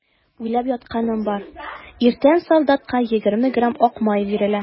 Уйлап ятканым бар: иртән солдатка егерме грамм ак май бирелә.